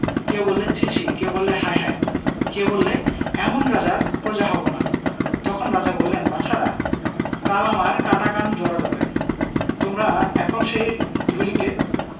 কেউ বললে ছি ছি' কেউ বললে হায় হায় কেউ বললে এমন রাজার প্ৰজা হব না তখন রাজা বললেন বাছারা কাল আমার কাটা কান জোড়া যাবে তোমরা এখন সেই ঢুলিকে